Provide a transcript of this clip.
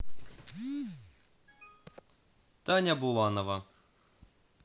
таня буланова